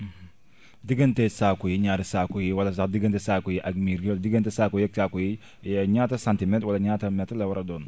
diggante saako yi ñaari saako yi wala sax diggante saako yi ak miir diggante saako yeeg saako yi ñaata centimètres wala ñaata mètre la war a doon